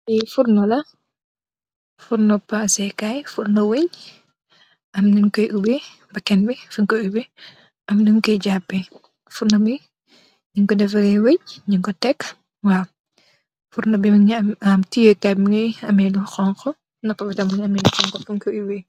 Lee furnola, furno passe kaye furno weanch am nun koye obeh bakan be fung koye obeh ak nung koye japeh furnobe nugko defare weanch nugku teek waw furrnobe muge am teye kaye muge lu honhu nopabe tam muge ameh lu honhu fung koye obeh.